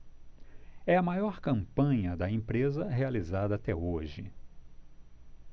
é a maior campanha da empresa realizada até hoje